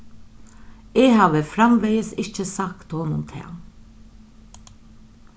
eg havi framvegis ikki sagt honum tað